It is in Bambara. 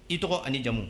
I tɔgɔ ani ni jamu